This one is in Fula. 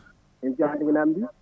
émission hande ko namdi